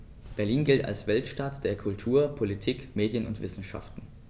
Berlin gilt als Weltstadt[9] der Kultur, Politik, Medien und Wissenschaften.